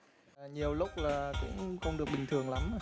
nhiều lúc là cũng không được bình thường lắm